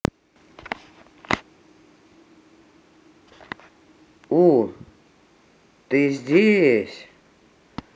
у ты здесь